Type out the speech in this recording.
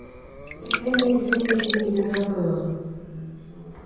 извини извини извини я забыл